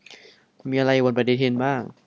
มีอะไรอยู่บนปฎิทินบ้าง